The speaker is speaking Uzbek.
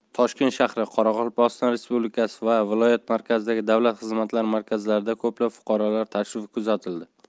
toshkent shahri qoraqalpog'iston respublikasi va viloyat markazidagi davlat xizmatlari markazlariga ko'plab fuqarolar tashrifi kuzatildi